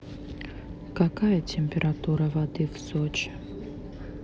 какая температура воды в сочи